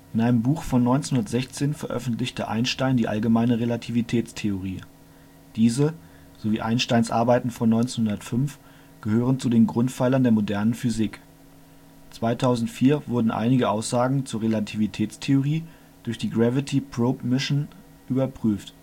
einem Buch von 1916 veröffentlichte Einstein die allgemeine Relativitätstheorie. Diese, sowie Einsteins Arbeiten von 1905 gehören zu den Grundpfeilern der modernen Physik. 2004 wurden einige Aussagen zur Relativitätstheorie durch die Gravity-Probe-Mission überprüft